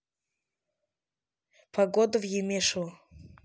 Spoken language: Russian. погода в емешево